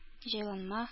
Җайланма